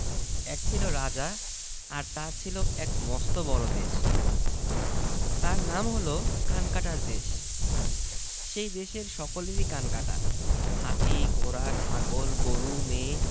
এক ছিল রাজা আর তার ছিল এক মস্ত বড়ো দেশ তার নাম হল কানকাটার দেশ সেই দেশের সকলেরই কান কাটা হাতি ঘোড়া ছাগল গরু মেয়ে